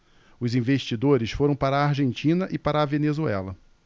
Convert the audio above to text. os investidores foram para a argentina e para a venezuela